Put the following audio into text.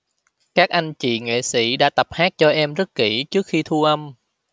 các anh chị nghệ sĩ đã tập hát cho em rất kỹ trước khi thu âm